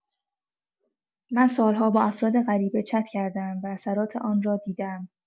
من سال‌ها با افراد غریبه چت کرده‌ام و اثرات آن را دیده‌ام.